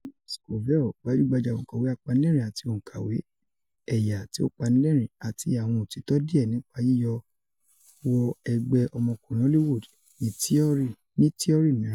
Nell Scovell, gbajugbaja onkọwe apanilẹrin ati onkọwe "Ẹya ti o Pani Lẹrin: Ati Awọn Otitọ Diẹ Nipa Yiyọ wọ Ẹgbẹ Ọmọkùnrin Hollywood "," ni tiọri miiran.